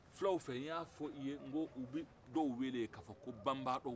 filaw fɛ yen n y'a fɔ i ye k'u bɛ dɔw wele ka fɔ ko banbandɔ